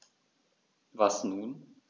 Was nun?